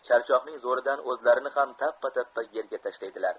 charchoqning zo'ridan o'zlarini ham tappa tappa yerga tashlaydi ar